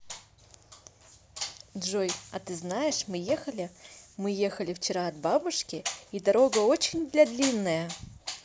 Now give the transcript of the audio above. джой а ты знаешь мы ехали мы ехали вчера от бабушки и дорога очень для длинная